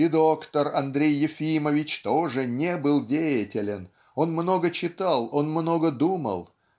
И доктор Андрей Ефимович тоже не был деятелен он много читал он много думал